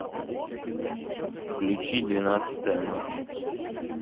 включить двенадцатая ночь